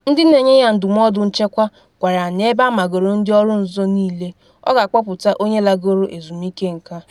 Ndị na-enye ya ndụmọdụ nchekwa gwara ya na ebe amagoro ndị ọrụ nzuzo ya niile, ọ ga-akpọpụta onye lagoro ezumike nka.